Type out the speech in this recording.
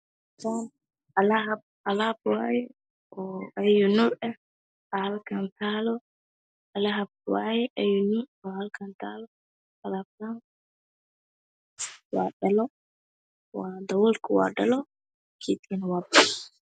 Alaab waye oo yau nuuc ah alab waye alba ayunica halkaan talo dabolku waa dhalo